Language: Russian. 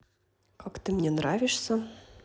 как ты мне нравишься